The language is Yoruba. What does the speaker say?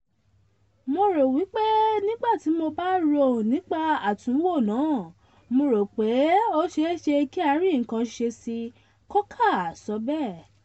"Mo rò wípé nígbà tí mo bá rò nípa àtúnwò náà, Mo rò pé ó ṣeéṣe kí a rí nǹkan ṣe sí i,” Coker sọ bẹ́ẹ̀.